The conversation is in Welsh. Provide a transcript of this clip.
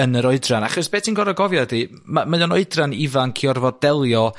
yn yr oedran, achos be' ti'n gorfo gofio yndi ma' mae o'n oedran ifanc i orfod delio